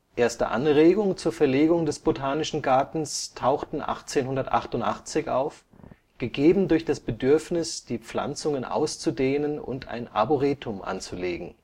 Erste Anregungen zur Verlegung des Botanischen Gartens tauchten 1888 auf, gegeben durch das Bedürfnis, die Pflanzungen auszudehnen und ein Arboretum anzulegen